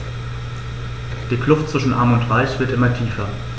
Die Kluft zwischen Arm und Reich wird immer tiefer.